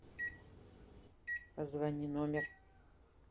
позвони номер